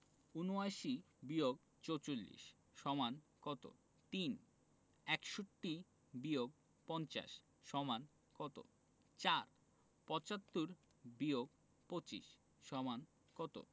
৭৯ - ৪৪ = কত ৩ ৬১ - ৫০ = কত ৪ ৭৫ - ২৫ = কত